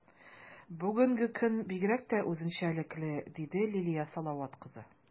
Бүгенге көн бигрәк тә үзенчәлекле, - диде Лилия Салават кызы.